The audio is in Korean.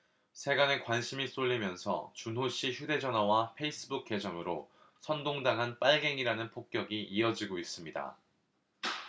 세간의 관심이 쏠리면서 준호씨 휴대전화와 페이스북 계정으로 선동 당한 빨갱이라는 폭격이 이어지고 있습니다